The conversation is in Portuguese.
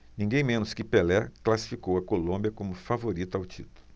ninguém menos que pelé classificou a colômbia como favorita ao título